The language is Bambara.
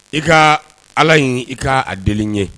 I ka ala in i ka a deli ye